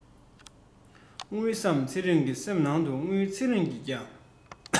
དངུལ བསམ ཚེ རང གི སེམས ནང དངུལ ཚེ རིང གིས ཀྱང